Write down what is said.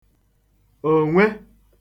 ònwe